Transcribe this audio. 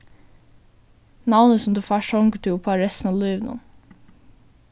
navnið sum tú fært hongur tú uppá restina av lívinum